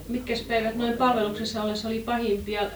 mitkäs päivät noin palveluksena ollessa oli pahimpia